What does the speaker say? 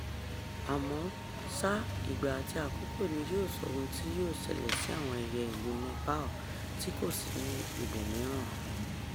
Àmọ́ ṣá ìgbà àti àkókò ni yóò sọ ohun tí yóò ṣẹlẹ̀ sí àwọn ẹyẹ ìlú Nepal tí kò sí ní ibòmíràn.